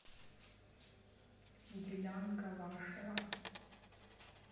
делянка вашева